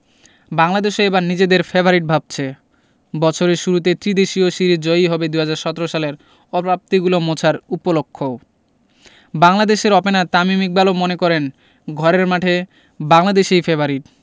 বাংলাদেশও এবার নিজেদের ফেবারিট ভাবছে বছরের শুরুতে ত্রিদেশীয় সিরিজ জয়ই হবে ২০১৭ সালের অপ্রাপ্তিগুলো মোছার উপলক্ষও বাংলাদেশের অপেনার তামিম ইকবালও মনে করেন ঘরের মাঠে বাংলাদেশই ফেবারিট